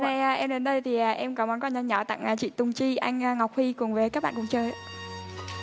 nay em đến đây thì em có món quà nhỏ nhỏ tặng chị tùng chi anh ngọc huy cùng với các bạn cùng chơi ạ